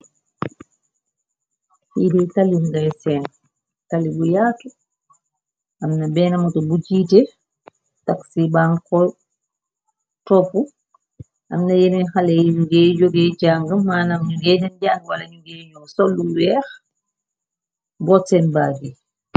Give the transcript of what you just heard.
Xiite talim ngay seen tali bu yaatu amna benn moto bu jiite taxsi ban topp amna yerin xale yuñ ngéy jóge jàng maanam ñu yeydeen jàng wala ñu nge yoo sollu weex boot seen baag yi.